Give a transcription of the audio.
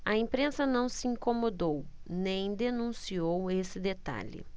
a imprensa não se incomodou nem denunciou esse detalhe